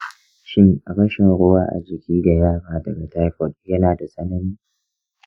shin rashin ruwa a jiki ga yara daga typhoid yana da tsanani?